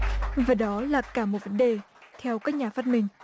và đó là cả một vấn đề theo các nhà phát minh